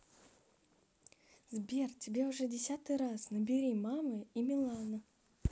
сбер тебе уже десятый раз набери папа и милана